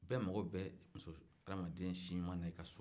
bɛɛ mako bɛ adamaden siɲuman na i ka so